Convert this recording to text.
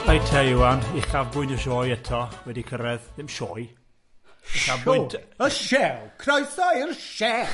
Reite Iwan, uchafbwynt y sioe eto wedi cyrraedd, ddim sioe, show, uhafbwynt y shew, croeso i'r shew!